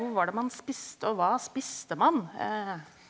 hvor var det man spiste og hva spiste man ?